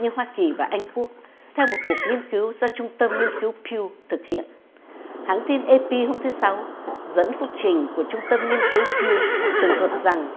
như hoa kỳ và anh quốc theo một cuộc nghiên cứu do trung tâm nghiên cứu biu thực hiện hãng tin ây bi hôm thứ sáu dẫn phúc trình của trung tâm nghiên cứu biu tường thuật rằng